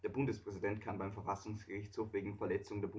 Bundespräsident kann beim Verfassungsgerichtshof wegen „ Verletzung